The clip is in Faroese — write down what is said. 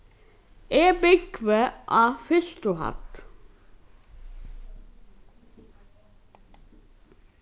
eg búgvi á fyrstu hædd